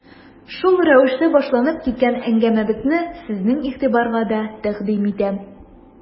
Шул рәвешле башланып киткән әңгәмәбезне сезнең игътибарга да тәкъдим итәм.